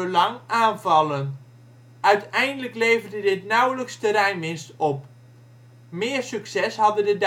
lang aanvallen. Uiteindelijk leverde dit nauwelijks terreinwinst op. Meer succes hadden de